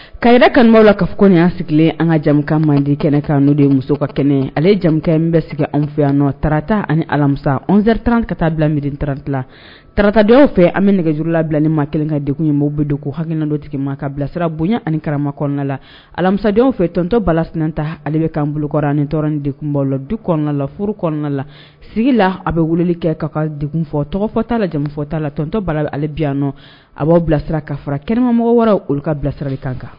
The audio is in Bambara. Ka yɛrɛ kanbaa la kaak kunnafoniya sigilen an kaja mandedi kɛnɛ ka n'o de muso ka kɛnɛ ale ye jamukɛ min bɛ segin an fɛ yan nɔ tarata ni alamisa anzɛrita ka taa bila miiri 1ranti tatajɔ fɛ an bɛ nɛgɛgejuru labilali maa kelen ka de ye mo bɛ de ko haina dɔtigi ma ka bilasirara bonya anikarama kɔnɔna la alamisadenw fɛ tɔntɔbalas ta ale bɛ'an bolok ni dɔrɔn in deba la du kɔnɔna lafuru kɔnɔna la sigi la a bɛ wulili kɛ ka ka defɔtfataa lajafɔtaa la tɔntɔ balala ale biyan nɔ a b'aw bilasira ka fara kɛnɛmamɔgɔ wɛrɛraw olu ka bilasirarali kan kan